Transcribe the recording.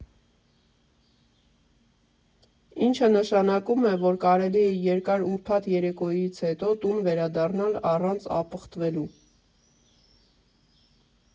Ինչը նշանակում է, որ կարելի է երկար ուրբաթ երեկոյից հետո տուն վերադառնալ առանց ապխտվելու։